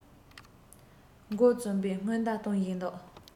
མགོ རྩོམ བའི སྔོན བརྡ གཏོང བཞིན འདུག